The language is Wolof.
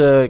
oui